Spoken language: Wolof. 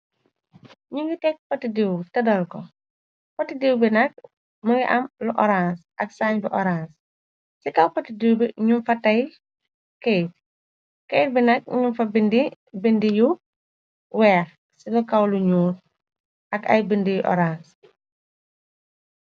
Nu ngi tekk patidiiw te dal ko potidiiw bi nag mu ngi am lu orange ak sn bu orange ci kaw patidiiw bi ñu fa tay kayte kayt bi nag ñu fa bnd bindi yu weex ci la kaw lu ñuul ak ay bindi y orange.